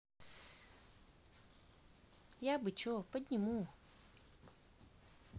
я бы че подниму